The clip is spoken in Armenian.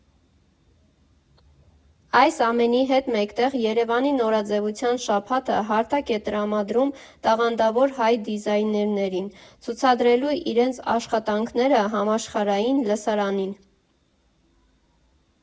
Այս ամենի հետ մեկտեղ Երևանի նորաձևության շաբաթը հարթակ է տրամադրում տաղանդավոր հայ դիզայներներին՝ ցուցադրելու իրենց աշխատանքները համաշխարհային լսարանին։